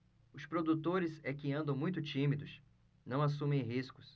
os produtores é que andam muito tímidos não assumem riscos